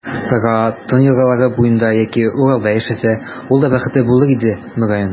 Ра, Тын елгалары буенда яки Уралда яшәсә, ул да бәхетле булыр иде, мөгаен.